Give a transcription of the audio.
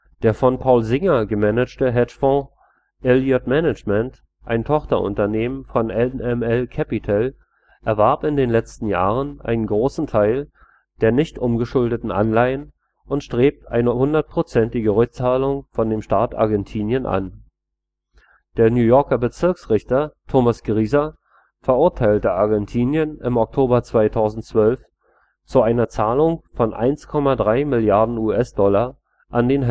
Der von Paul Singer gemanagte Hedgefonds Elliott Management, ein Tochterunternehmen von NML Capital, erwarb in den letzten Jahren einen großen Teil der nicht umgeschuldeten Anleihen und strebt eine 100% Rückzahlung von dem Staat Argentinien an. Der New Yorker Bezirksrichter Thomas Griesa verurteilte Argentinien im Oktober 2012 zu einer Zahlung von 1,3 Milliarden US-Dollar an den